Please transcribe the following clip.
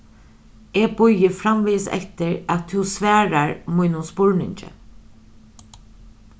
eg bíði framvegis eftir at tú svarar mínum spurningi